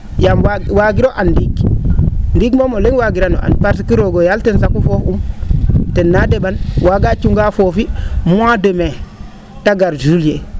yaam waagiro an ndiig ndiig moom o le? waagiran o and parce que roog o yaal ten saqu foof um ten naa de?an waaga cunga foofi mois de Mai te gar juillet